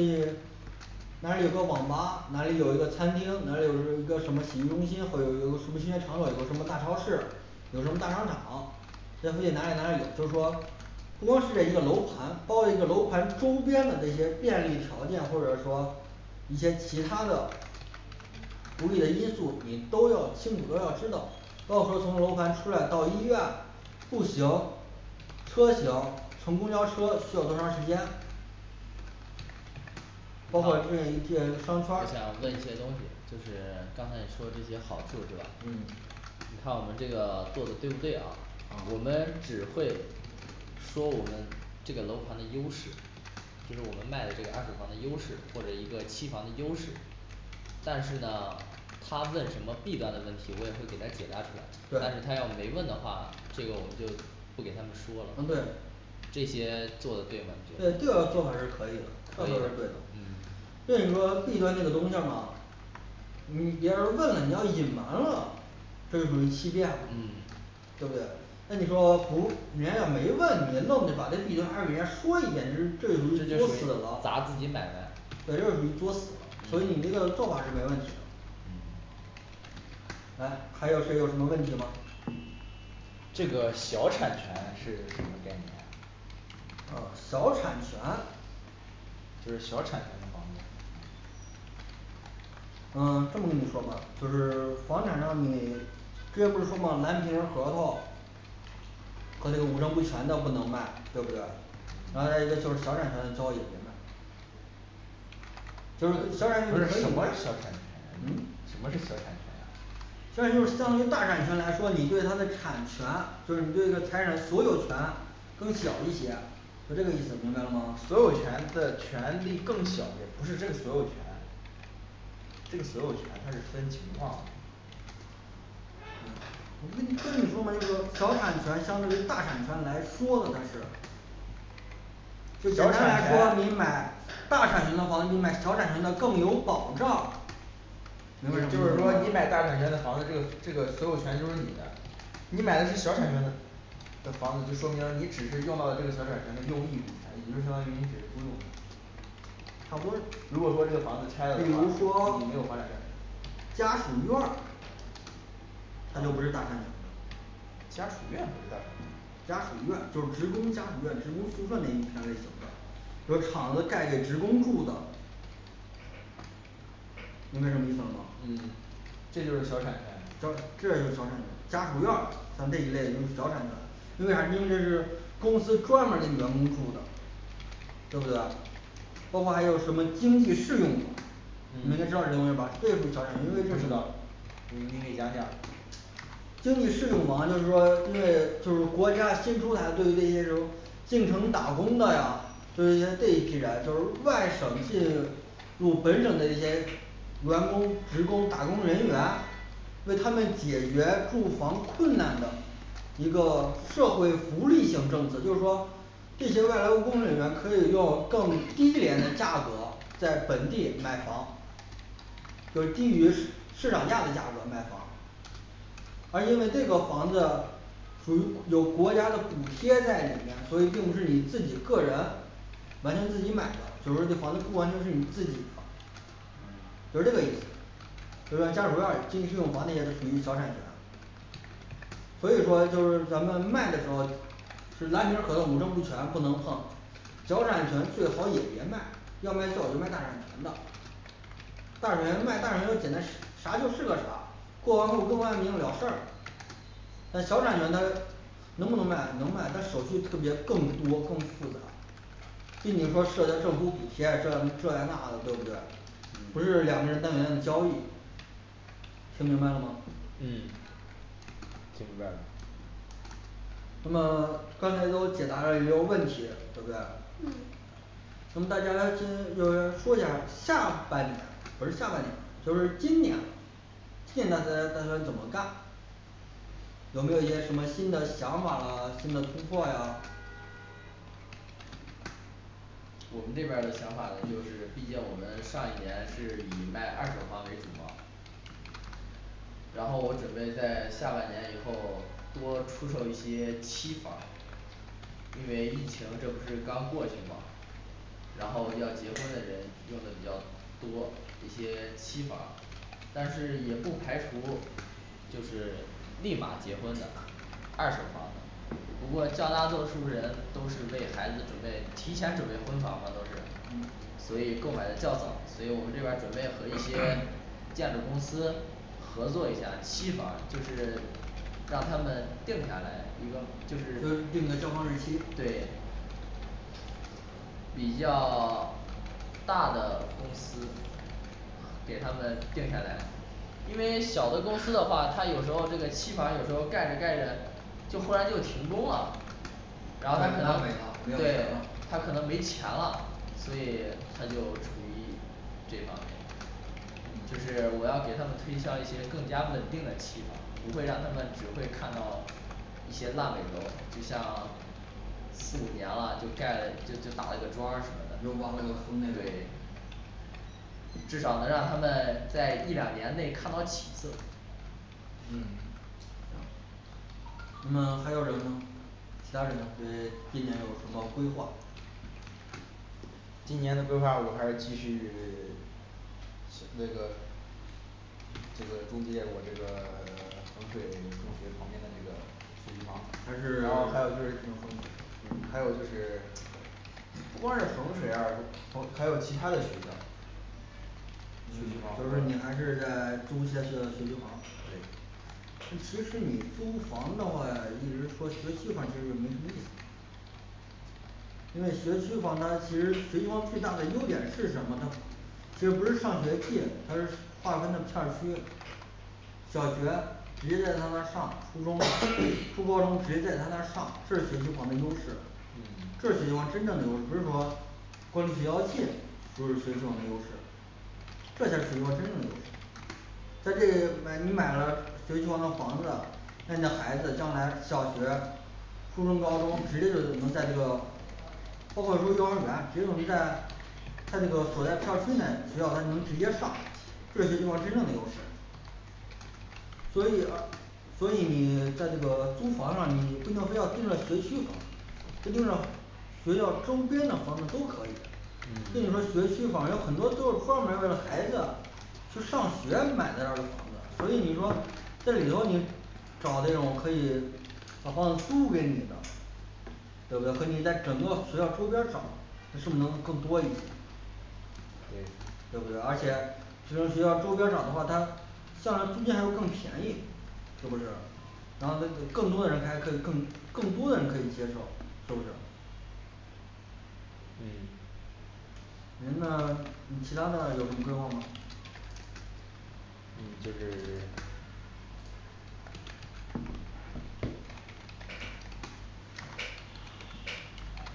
近哪有个网吧，哪里有一个餐厅，哪里有什一个什么洗浴中心，或有一个什么吸烟场所，有个什么大超市，有什么大商场，在附近哪里有哪里有就说不光是这一个楼盘，包括一个楼盘周边的这些便利条件，或者说一些其他的不备的因素你都要清楚都要知道，到时候从楼盘出来到医院，步行车行乘公交车需要多长时间包括这这商圈我想问儿，一些东西就是刚才说的这些好处是吧？你嗯看我们这个做的对不对啊，我嗯们只会说我们这个楼盘的优势就是我们卖的这个二手房的优势或者是一个期房的优势但是呢他问什么弊端的问题，我也会给他解答出来，但是他对要没问的话，这个我们就不给他们说了嗯对这些做的对对还是这个错？做法是可以的这个做法是对的嗯所以你说弊端这个东西儿吗？你别人儿问了你要隐瞒了，这是属于欺骗了嗯对不对？那你说不人家要没问，你愣得把这弊端给啊人家说一遍，你是这就属于作死这就属了于，砸自己买卖对，这就属于作死了，所以你这个做法是没问题的。嗯来，还有谁有什么问题吗？这个小产权是个什么概念？啊小产权就是小产权的房子嗯这么跟你说吧，就是 房产上你之前不是说嘛蓝皮儿合同和这个五证不全的不能卖，对不对？然后再一嗯个就是小产权的你最好也别卖就是小产权不你可是以什吗么？是小产权呀，嗯什？么是小产权呀？小产权就是当大产权来说，你对它的产权就是对这个财产所有权更小一些，是这个意思明白了吗？所有权的权利更小些，不是这个所有权，这个所有权它是分情况的。我不跟你跟你说嘛就是说小产权相对于大产权来说的那是就简小单产来说，权你买大产权的房子比买小产权的更有保障明白什就是说么意你思买大吗产权的房子这个这个所有权就是你的你买的是小产权的的房子就说明了你只是用到了这个小产权的用益物权差不如多，果说这个房比子拆了的话如说你没有房产证儿家属院儿它就不是大产权家属院不是大家产权。属院就是职工家属院，职工宿舍那一片类型的这个厂子盖给职工住的，明白什么意思了吗？嗯这就是小产小权这就是小产权家属院儿像这一类就是小产权，因为啥？因为这是公司专门儿给员工住的，对不对？包括还有什么经济适用房，你们应该知道嗯明白吧这是属于小产权因为嗯不这是知道你给讲讲经济适用房就是说因为就是国家新出的对于这些这种进城打工的呀就一些这一批人就是外省进入本省的一些员工职工打工人员，为他们解决住房困难的一个社会福利性政策就是说，这些外来务工人员可以用更低廉的价格在本地买房就低于市市场价的价格买房而因为这个房子属于有国家的补贴在里面，所以并不是你自己个人完全自己买的，就说这房子不完全是你自己的就这个意嗯思所以说家属儿院经济适用房这些都属于小产权。所以说就是咱们卖的时候是蓝皮儿合同五证不全不能碰，小产权最好也别卖，要卖最好就卖大产权的。大产权卖大产权就简单是啥就是个啥，过完户更完名了事儿但小产权它能不能卖能卖，但手续特别更多更复杂。对你说涉及到政府补贴这这呀那的对不对？不是嗯两个人单人的交易听明白了吗？嗯听明白了那么刚才都解答了遗留问题，对不对？嗯那么大家先要不要说一下下半年不是下半年了就是今年现在大家打算怎么干？有没有一些什么新的想法了，新的突破呀我们这边儿的想法呢，就是毕竟我们上一年是以卖二手房为主嘛然后我准备在下半年以后多出售一些期房因为疫情这不是刚过去吗然后要结婚的人用的比较多，一些期房但是也不排除就是立马结婚的二手房，不过较大多数人，都是为孩子准备提前准备婚房嘛都是嗯所以购买的较早，所以我们这边儿准备和一些建筑公司合作一下期房就是让他们定下来一个就就是是定个交房日期，对比较 大的公司给他们定下来。因为小的公司的话，它有时候这个期房儿有时候盖着盖着就忽然就停工了然烂烂后尾了，没有钱对了他可能没钱了，所以他就处于这方面就嗯是我要给他们推销一些更加稳定的期房，不会让他们只会看到一些烂尾楼就像四五年了，就盖了就就打了一个桩儿什就么的挖了个坑那种对至少能让他们在一两年内看到起色嗯行那么还有人吗？其他人对今年有什么规划？今年的规划我还是继续 想 那个这个中介我这个 衡水 中学旁边的这个学区房还是然后还有就 是这个衡水，还有就是不光是衡水儿，不还有其他的学校学就是区房，你还是在租县校学区房对那其实你租房的话一直说学区房儿其实也没什么意思，因为学区房它其实学区房最大的优点是什么它其实也不是上学近，它是划分的片儿区，小学直接在他那儿上，初中& &初高中直接在他那儿上，这是学区房的优势。嗯这是学区房真正的优，不是说跟学校近就是学区房的优势这是学区房真正的优势在这里买你买了学区房的房子，那你的孩子将来小学初中高中直接就能在这个包括说幼儿园直接能在他这个所在片儿区内学校他能直接上，这是学区房真正的优势。所以啊所以你在这个租房上，你不一定非要盯着学区房，就盯着学校周边的房子都可以给你说嗯学区房有很多都是专门儿为了孩子就上学买在这儿的房子，所以你说这里头你找那种可以把房子租给你的，对不对？ 和你在整个学校周边儿找他是不是能更多一些对对不。对？而且学生学校周边儿找的话，它像租金还会更便宜是不是然后他就更多的人还可以更更多的人可以接受，是不是嗯您的你其他的有什么规划吗？嗯就是